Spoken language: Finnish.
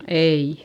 ei